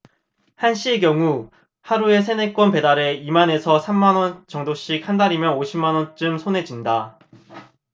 한씨의 경우 하루에 세 네 건 배달해 이 만 에서 삼 만원 정도씩 한 달이면 오십 만원쯤 손에 쥔다